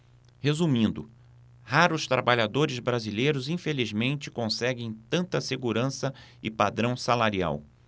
resumindo raros trabalhadores brasileiros infelizmente conseguem tanta segurança e padrão salarial